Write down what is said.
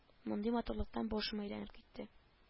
Мондый матурлыктан башым әйләнеп китте